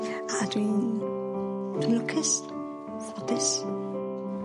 A dwi'n 'di bod yn lwcus. ffodus.